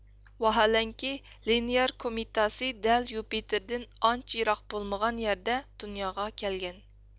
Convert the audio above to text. ۋەھالەنكى لىنېيار كومېتاسى دەل يۇپىتېردىن ئانچە يىراق بولمىغان يەردە دۇنياغا كەلگەن